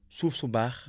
suuf su baax